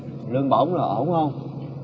lương bổng là ổn không